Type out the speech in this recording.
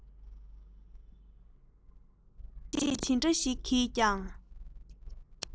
མཛད རྗེས ཇི འདྲ ཞིག གིས ཀྱང